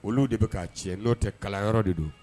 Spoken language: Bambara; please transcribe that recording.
Olu de bɛ ka cɛ n'o tɛ kalanyɔrɔ de don